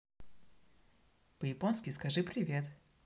по японски скажи привет